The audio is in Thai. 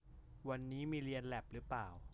วันนี้มีเรียนแล็บรึป่าว